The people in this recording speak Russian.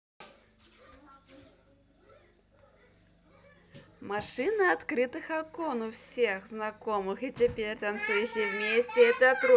машины открытых окон у всех знакомых и теперь танцующие вместе это труд